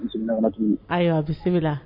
N seginna kana tugun ayiwa bisimila